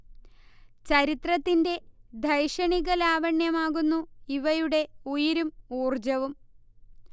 ചരിത്രത്തിന്റെ ധൈഷണിക ലാവണ്യമാകുന്നു ഇവയുടെ ഉയിരും ഊർജ്ജവും